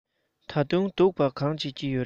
ད དུང སྡུག པ གང བྱེད ཀྱི ཡོད རས